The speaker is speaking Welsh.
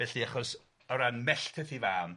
Felly, achos o ran melltith ei fam